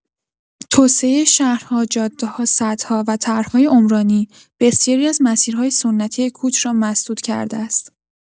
توسعه شهرها، جاده‌ها، سدها و طرح‌های عمرانی، بسیاری از مسیرهای سنتی کوچ را مسدود کرده است.